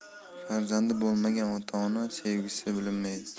farzandi bo'lmagan ota ona sevgisini bilmaydi